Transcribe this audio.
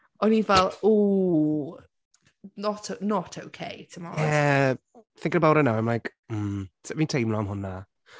O’n i fel, ww not, o- not okay, timod?... Ie, thinking about it now I’m like, mm sut fi’n teimlo am hwnna?